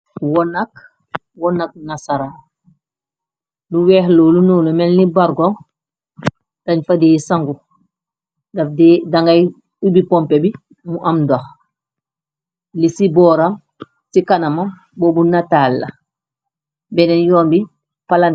Woonnak nasara lu weexlo lu ñoolu melni bargoo dañ fa dey sangu daf di dangay ubi pompe bi mu am ndox li ci booram ci kanama bobu nataal la benneen yombi palentir la